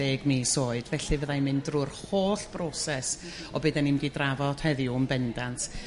ddeg mis oed felly fyddai'n mynd drw'r holl broses o be' dyn ni mynd i drafod heddiw yn bendant